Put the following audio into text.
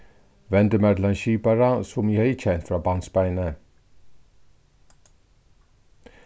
vendi mær til ein skipara sum eg hevði kent frá barnsbeini